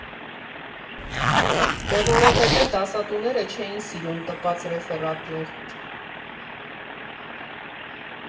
Դե որովհետև դասատուները չէին սիրում տպած ռեֆերատներ։